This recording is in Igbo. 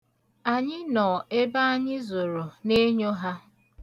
Anyị nọ ebe anyị zoro na-enyo ha.